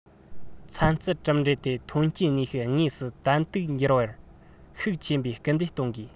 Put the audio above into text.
ཚན རྩལ གྲུབ འབྲས དེ ཐོན སྐྱེད ནུས ཤུགས དངོས སུ ཏན ཏིག འགྱུར བར ཤུགས ཆེན པོས སྐུལ འདེད གཏོང དགོས